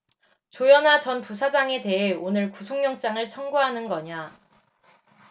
조현아 전 부사장에 대해 오늘 구속영장을 청구하는 거냐